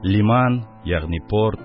Лиман, ягъни порт